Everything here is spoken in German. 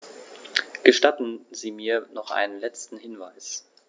Gestatten Sie mir noch einen letzten Hinweis.